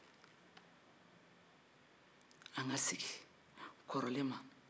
an ka segin kɔrɔlen ma